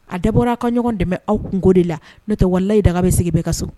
A debɔ a ka ɲɔgɔn dɛmɛ aw kunko de la n'o tɛ walanyi da bɛ sigi bɛɛ ka s